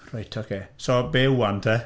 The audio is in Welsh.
Reit, ok. So, be 'wan, te?